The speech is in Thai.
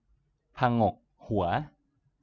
ผงกหัว